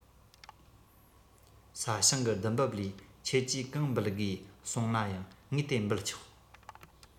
ས ཞིང གི བསྡུ འབབ ལས ཁྱེད ཀྱིས གང འབུལ དགོས གསུངས ན ཡང ངས དེ འབུལ ཆོག